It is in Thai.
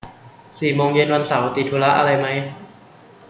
สี่โมงเย็นวันเสาร์ติดธุระอะไรมั้ย